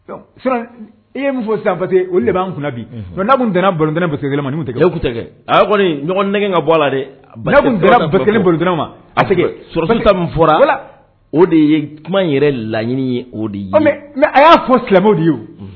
Siran i ye min fɔ sapte o de b'an kun bi tun bulont ba kelen ma tɛ tɛ kɔni ɲɔgɔn nɛgɛ ka bɔ la kelent ma ka fɔra o de ye kuma yɛrɛ laɲini ye o de ye a y'a fɔ silamɛw de ye